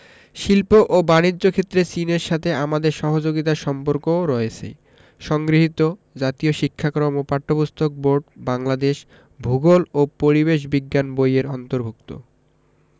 শিল্প ও বানিজ্য ক্ষেত্রে চীনের সাথে আমাদের সহযোগিতার সম্পর্কও রয়েছে সংগৃহীত জাতীয় শিক্ষাক্রম ও পাঠ্যপুস্তক বোর্ড বাংলাদেশ ভূগোল ও পরিবেশ বিজ্ঞান বই এর অন্তর্ভুক্ত